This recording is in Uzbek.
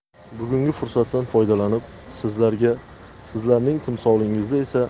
bugungi fursatdan foydalanib sizlarga sizlarning timsolingizda esa